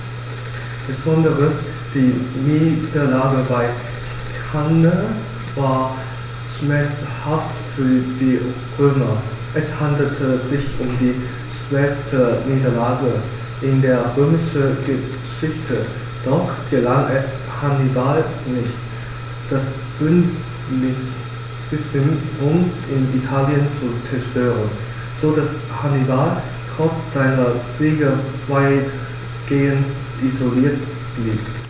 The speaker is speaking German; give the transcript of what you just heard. Besonders die Niederlage bei Cannae war schmerzhaft für die Römer: Es handelte sich um die schwerste Niederlage in der römischen Geschichte, doch gelang es Hannibal nicht, das Bündnissystem Roms in Italien zu zerstören, sodass Hannibal trotz seiner Siege weitgehend isoliert blieb.